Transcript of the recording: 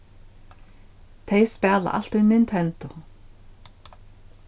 tey spæla altíð nintendo